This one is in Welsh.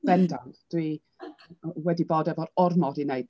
Bendant, dwi wedi bod efo'r ormod i'w wneud.